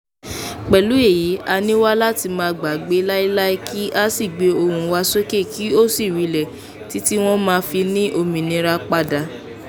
Pẹ̀lú èyí, à ń wá láti má gbàgbé láíláí kí á sì gbé ohùn wọn sókè kí ó sì rinlẹ̀, títí wọ́n máa fi ní òmìnira padà.